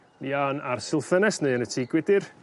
ar silff ffenes neu yn y tŷ gwydyr